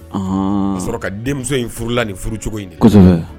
O sɔrɔ ka denmuso in furula ni furu cogo in